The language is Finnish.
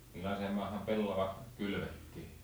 millaiseen maahan pellava kylvettiin